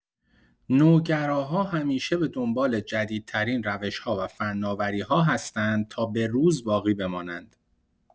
نوگراها همیشه به دنبال جدیدترین روش‌ها و فناوری‌ها هستند تا به‌روز باقی بمانند.